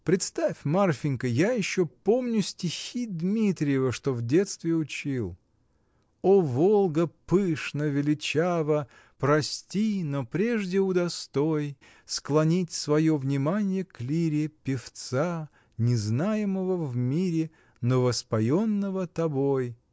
— Представь, Марфинька: я еще помню стихи Дмитриева, что в детстве учил: О Волга пышна, величава, Прости, но прежде удостой Склонить свое вниманье к лире Певца, незнаемого в мире, Но воспоенного тобой.